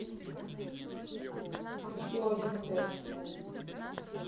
еще один тест